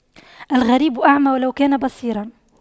الغريب أعمى ولو كان بصيراً